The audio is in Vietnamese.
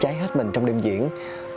cháy hết mình trong đêm diễn